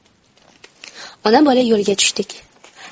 ona bola yo'lga tushdik